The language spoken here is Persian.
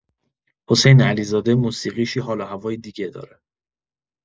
حسین علیزاده موسیقیش یه حال‌وهوای دیگه داره.